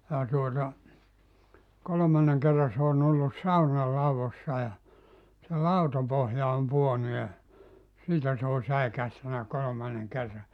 ja tuota kolmannen kerran se on ollut saunan laudoissa ja se lautapohja on pudonnut ja siitä se on säikähtänyt kolmannen kerran